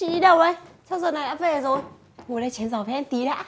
chị đi đâu đấy sao giờ này đã về rồi ngồi đây chém gió với em tí đã